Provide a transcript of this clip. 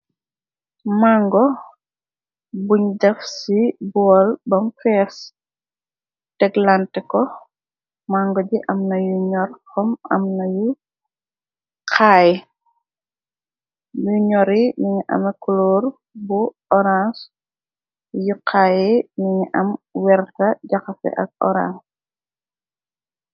Màngo buñ daf ci bool bam fees teglant ko. Màngo ji amna yu ñor xom am na yu xaay. Yu ñori nyu ngi ame kuloor bu orange. Yu xaaye nyu ngi am werta jaxase ak orange.